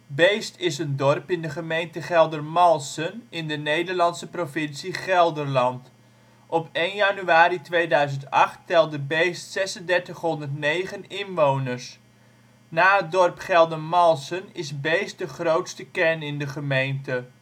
Beesd is een dorp in de gemeente Geldermalsen in de Nederlandse provincie Gelderland. Op 1 januari 2008 telde Beesd 3.609 inwoners. Na het dorp Geldermalsen is Beesd de grootste kern in de gemeente